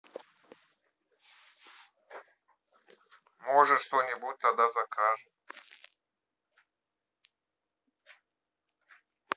может что нибудь тогда закажем